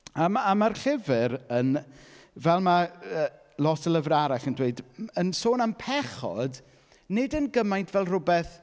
A ma' a ma'r llyfr yn, fel ma' yy lot o lyfrau arall yn dweud, m- yn sôn am pechod, nid yn gymaint fel rywbeth...